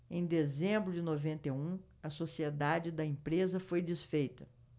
em dezembro de noventa e um a sociedade da empresa foi desfeita